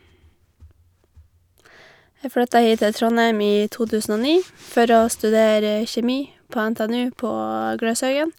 Jeg flytta hit til Trondheim i to tusen og ni for å studere kjemi på NTNU på Gløshaugen.